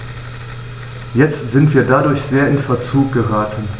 Jetzt sind wir dadurch sehr in Verzug geraten.